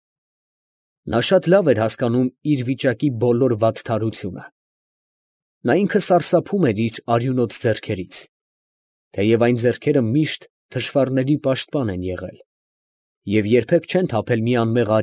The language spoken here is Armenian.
Նա շատ լավ էր հասկանում իր վիճակի բոլոր վատթարությունը, նա ինքը սարսափում էր իր արյունոտ ձեռքերից, թեև այն ձեռքերը միշտ թշվառների պաշտպան են եղել, և երբեք չեն թափել մի անմեղ։